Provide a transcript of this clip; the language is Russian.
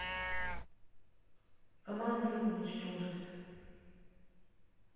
команда уничтожить